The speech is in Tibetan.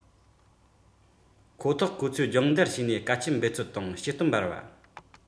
ཁོ ཐག ཁོ ཚོས སྦྱོང བརྡར བྱས ནས དཀའ སྤྱད འབད བརྩོན དང སྐྱེ སྟོབས འབར བ